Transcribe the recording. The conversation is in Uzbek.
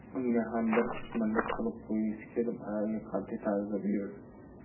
unga ham bir qitmirlik qilib qo'ygisi kelib ayolga qat'iy tarzda buyurdi